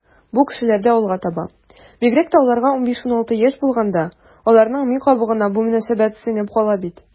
Бу кешеләрдә алга таба, бигрәк тә аларга 15-16 яшь булганда, аларның ми кабыгына бу мөнәсәбәт сеңеп кала бит.